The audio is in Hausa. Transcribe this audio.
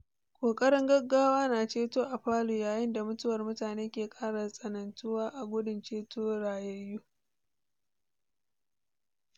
Ƙoƙarin gaggawa na ceto a Palu yayin da mutuwar mutane ke kara tsanantuwa a gudun ceto rayayyu